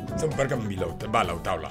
Sabu barika mun bi la o tɛ ba la o taw la.